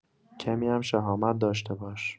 کمی هم شهامت داشته باش.